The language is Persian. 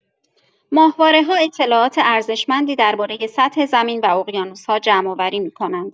ماهواره‌ها اطلاعات ارزشمندی درباره سطح زمین و اقیانوس‌ها جمع‌آوری می‌کنند.